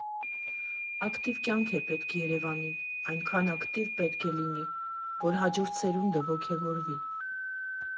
Ակտիվ կյանք է պետք Երևանին, այնքան ակտիվ պետք է լինի, որ հաջորդ սերունդը ոգևորվի։